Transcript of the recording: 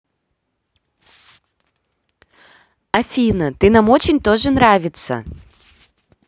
афина ты нам очень тоже нравится